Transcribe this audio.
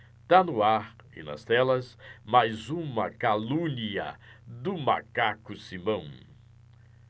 tá no ar e nas telas mais uma calúnia do macaco simão